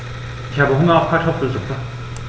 Ich habe Hunger auf Kartoffelsuppe.